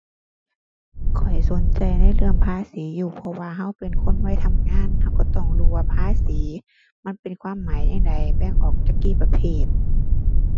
ข้อยสนใจในเรื่องภาษีอยู่ เพราะว่าเราเป็นคนวัยทำงาน เราเราต้องรู้ว่าภาษี มันเป็นความหมายจั่งใด แบ่งออกจักกี่ประเภท